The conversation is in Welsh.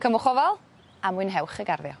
Cymwch ofal a mwynhewch y garddio.